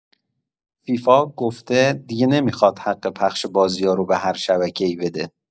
فیفا گفته دیگه نمی‌خواد حق پخش بازیارو به هر شبکه‌ای بده.